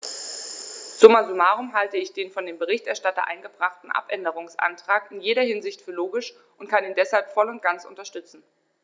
Summa summarum halte ich den von dem Berichterstatter eingebrachten Abänderungsantrag in jeder Hinsicht für logisch und kann ihn deshalb voll und ganz unterstützen.